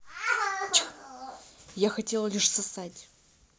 я хотела лишь сосать